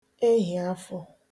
ehìafọ̄